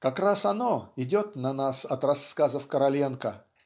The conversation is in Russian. как раз оно идет на нас от рассказов Короленко